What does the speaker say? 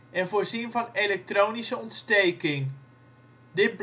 en voorzien van elektronische ontsteking. Dit